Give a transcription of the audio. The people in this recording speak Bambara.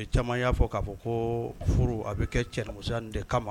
Ni caman y'a fɔ k'a fɔ ko furu a bɛ kɛ cɛmusoya de kama